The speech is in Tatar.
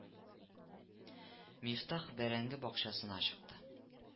Мифтах бәрәңге бакчасына чыкты